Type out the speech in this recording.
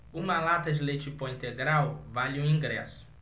uma lata de leite em pó integral vale um ingresso